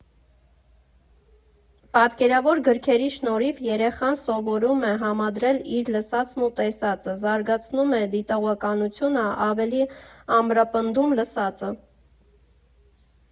Պատկերավոր գրքերի շնորհիվ երեխան սովորում է համադրել իր լսածն ու տեսածը, զարգացնում է դիտողականությունը, ավելի ամրապնդում լսածը։